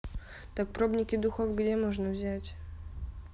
так пробники духов где можно взять